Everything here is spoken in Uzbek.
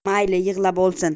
mayli yig'lab olsin